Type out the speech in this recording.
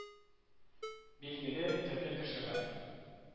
Билгеле, төрле кеше бар